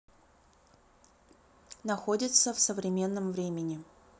находится в современном времени